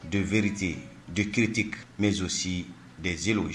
Donvte don kiirite mzsonosi dezew ye